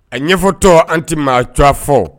A ɲɛfɔtɔ an tɛ maac fɔ